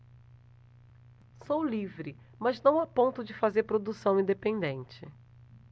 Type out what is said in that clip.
sou livre mas não a ponto de fazer produção independente